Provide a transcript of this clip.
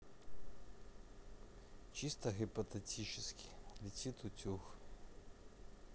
чисто гипотетически летит утюг